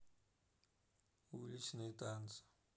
уличные танцы